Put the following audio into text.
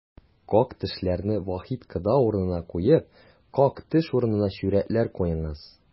Как-төшләрне Вахит кода урынына куеп, как-төш урынына чүрәкләр куеңыз!